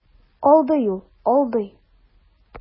Алдый ул, алдый.